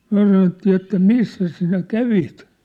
me sanottiin että missäs sinä kävit